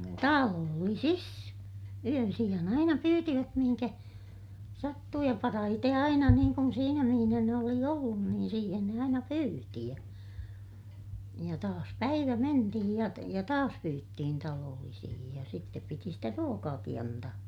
talollisissa yönsijan aina pyysivät mihin sattui ja parhaiten aina niin kuin siinä missä ne oli ollut niin siihen ne aina pyysi ja ja taas päivä mentiin ja ja taas pyyttiin talollisiin ja sitten piti sitä ruokaakin antaa